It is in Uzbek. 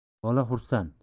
bola xursand